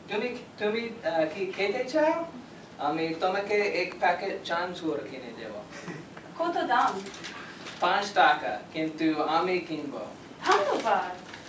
তুমি কি খেতে চাও আমি তোমাকে এক প্যাকেট চানাচুর কিনে দেবো কত দাম ৫ টাকা কিন্তু আমি কিনবো ধন্যবাদ